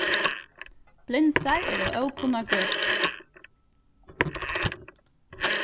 blindar eru ókunnar gøtur